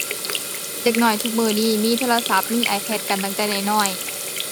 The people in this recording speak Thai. เด็กน้อยทุกมื้อนี้มีโทรศัพท์ มี iPad กันตั้งแต่น้อยน้อย